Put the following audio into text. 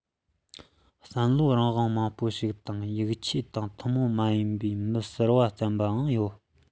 བསམ བློའི རང དབང མང པོ ཞིག དང ཡིག ཆས དང ཐུན མོང མ ཡིན པའི ཀྱི མི གསར པ བརྩམས ཆོས གསར པའང ཡོད